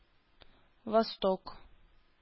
Восток